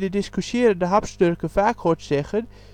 discussierende hapsnurker vaak hoort zeggen